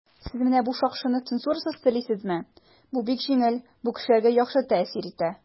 "сез менә бу шакшыны цензурасыз телисезме?" - бу бик җиңел, бу кешеләргә яхшы тәэсир итә.